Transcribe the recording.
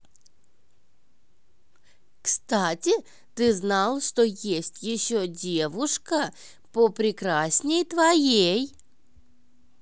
кстати ты знал что есть еще девушка по прекрасней твоей